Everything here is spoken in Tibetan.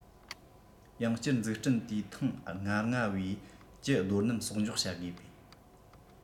ཡང བསྐྱར འཛུགས སྐྲུན དུས ཐེངས ༥༥ པའི ཀྱི རྡོ སྣུམ གསོག འཇོག བྱ དགོས